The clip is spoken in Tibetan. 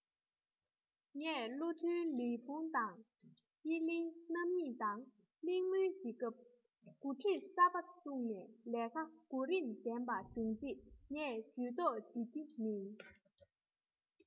ངས བློ མཐུན ལི ཕུང དང དབྱི ལིང རྣམ གཉིས དང གླེང མོལ བྱེད སྐབས འགོ ཁྲིད གསར པ བཙུགས ནས ལས ཀ གོ རིམ ལྡན པ བྱུང རྗེས ངས ཇུས གཏོགས བྱེད ཀྱི མིན